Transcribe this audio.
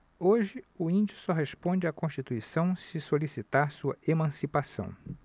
hoje o índio só responde à constituição se solicitar sua emancipação